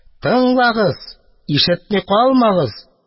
Тыңлагыз, ишетми калмагыз!